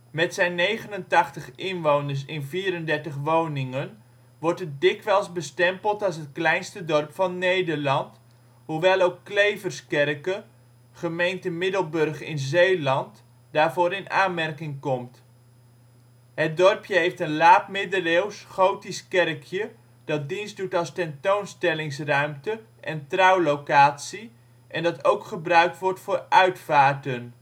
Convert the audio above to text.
Met zijn 89 inwoners (34 woningen) wordt het dikwijls bestempeld als het kleinste dorp van Nederland, hoewel ook Kleverskerke (gemeente Middelburg, Zeeland) daarvoor in aanmerking komt. Het dorpje heeft een laat-middeleeuws gotisch kerkje, dat dienst doet als tentoonstellingsruimte en trouwlocatie en dat ook gebruikt wordt voor uitvaarten